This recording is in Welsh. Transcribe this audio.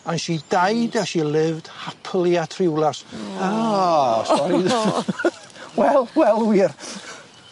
and she died as she lived happily at Rhiwlas. Aw. Wel wel wir.